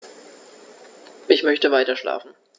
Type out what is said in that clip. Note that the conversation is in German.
Ich möchte weiterschlafen.